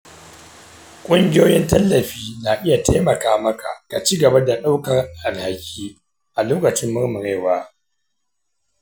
ƙungiyoyin tallafi na iya taimaka maka ka ci gaba da ɗaukar alhaki a lokacin murmurewa.